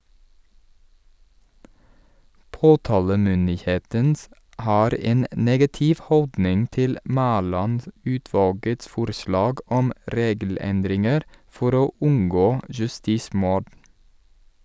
Påtalemyndigheten har en negativ holdning til Mæland-utvalgets forslag om regelendringer for å unngå justismord.